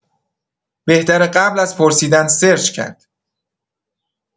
بهتره قبل از پرسیدن سرچ کرد.